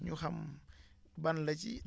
ñu xam ban la ci